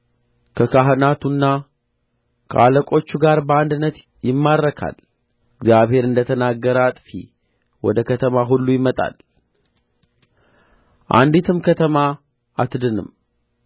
ከካህናቱና ከአለቆቹ ጋር በአንድነት ይማረካል እግዚአብሔርም እንደ ተናገረ አጥፊ ወደ ከተማ ሁሉ ይመጣል አንዲትም ከተማ አትድንም